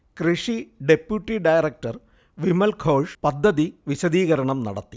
കൃഷി deputy director Vimalghosh പദ്ധതി വിശദീകരണം നടത്തി